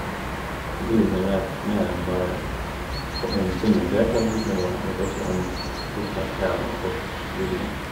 Samtidig som vi vet mer enn bare på om ting om deltakelsesnivået, vet også om kossjn karakterer dem har fått på videregående.